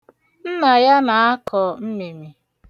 Nna ya na-akọ mmịmị.